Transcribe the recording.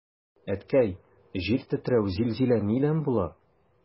Әткәй, җир тетрәү, зилзилә нидән була?